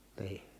niin